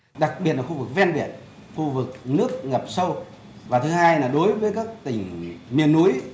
đặc biệt ở khu vực ven biển khu vực nước ngập sâu và thứ hai là đối với các tỉnh miền núi